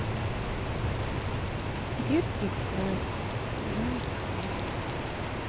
детский садик вторая смена